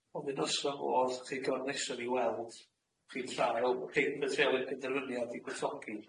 Gofyn os o's na fodd, w'ch chi, cyfarfod nesaf i weld, w'ch chi, trael, paper trail y penderfyniad i gwtogi.